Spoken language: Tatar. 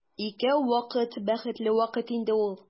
Икәү вакыт бәхетле вакыт инде ул.